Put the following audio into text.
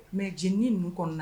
Mɛ jinin ninnu kɔnɔna